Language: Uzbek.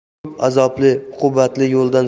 ko'p azobli uqubatli yo'ldan